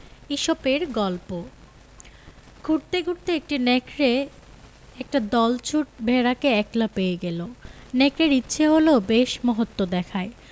ইসপের গল্প ঘুরতে ঘুরতে এক নেকড়ে একটা দলছুট ভেড়াকে একলা পেয়ে গেল নেকড়ের ইচ্ছে হল বেশ মহত্ব দেখায়